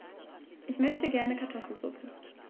Ich möchte gerne Kartoffelsuppe.